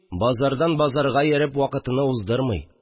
Базардан базарга йөреп, вакытыны уздырмый